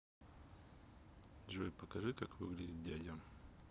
джой покажи как выглядит дядя